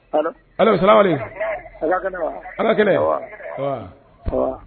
Siran ala kɛnɛ